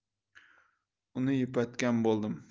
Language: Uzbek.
uni yupatgan bo'ldim